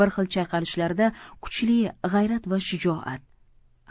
bir xil chayqalishlarida kuchli g'ayrat va shijoat